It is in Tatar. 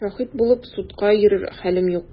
Шаһит булып судка йөрер хәлем юк!